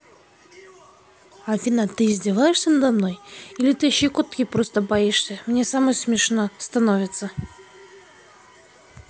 афина ты издеваешься надо мной или ты щекотки просто боишься мне самой смешно становится